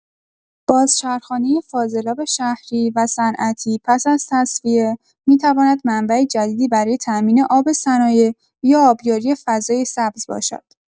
بازچرخانی فاضلاب شهری و صنعتی پس از تصفیه، می‌تواند منبع جدیدی برای تأمین آب صنایع یا آبیاری فضای سبز باشد.